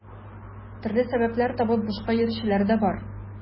Төрле сәбәпләр табып бушка йөрүчеләр дә бар.